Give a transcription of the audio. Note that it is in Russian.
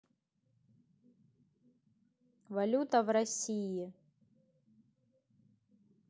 валюта в россии